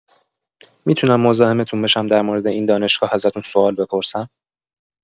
می‌تونم مزاحمتون بشم در مورد این دانشگاه ازتون سوال بپرسم؟